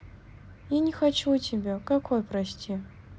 я не хочу тебя какой прости